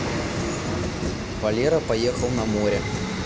валера поехал на море